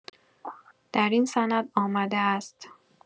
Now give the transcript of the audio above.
در این سند آمده است